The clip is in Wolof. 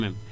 même